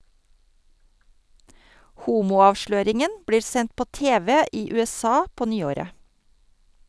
Homo-avsløringen blir sendt på TV i USA på nyåret.